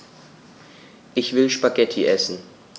Ich will Spaghetti essen.